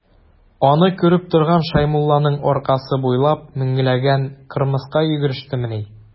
Аны күреп торган Шәймулланың аркасы буйлап меңләгән кырмыска йөгерештемени.